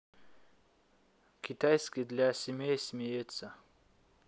китайский для семей смеется